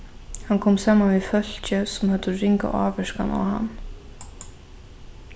hann kom saman við fólki sum høvdu ringa ávirkan á hann